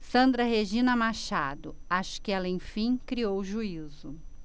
sandra regina machado acho que ela enfim criou juízo